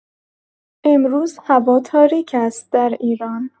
امروز هوا تاریک است در ایران